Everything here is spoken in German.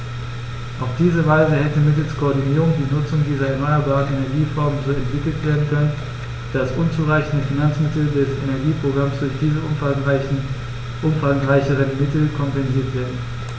Auf diese Weise hätte mittels Koordinierung die Nutzung dieser erneuerbaren Energieformen so entwickelt werden können, dass unzureichende Finanzmittel des Energieprogramms durch diese umfangreicheren Mittel kompensiert werden.